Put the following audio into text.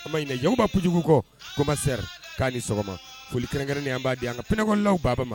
Ba kojugu koma k'a ni sɔgɔma foli kɛnɛrɛnnen an b'a di an ka kɛnɛkɔlaw baa ma